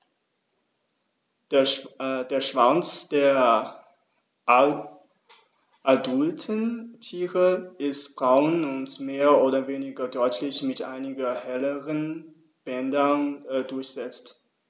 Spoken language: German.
Der Schwanz der adulten Tiere ist braun und mehr oder weniger deutlich mit einigen helleren Bändern durchsetzt.